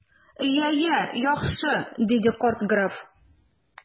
Я, я, яхшы! - диде карт граф.